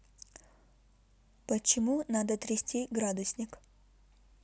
почему надо трясти градусник